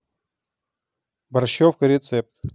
борщевка рецепт